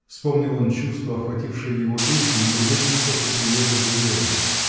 Вспомнил он чувство, охватившее его душу на другой день после приезда в деревню